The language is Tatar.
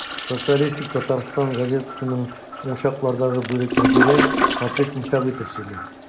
«социалистик татарстан» газетасының ул чаклардагы бүлек мөдире фатыйх мөсәгыйтов сөйли.